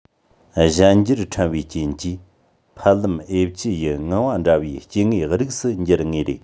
གཞན འགྱུར ཕྲན བུའི རྐྱེན གྱིས ཕལ ལམ ཨེབ ཅི ཡི ངང པ འདྲ བའི སྐྱེ དངོས རིགས སུ འགྱུར ངེས རེད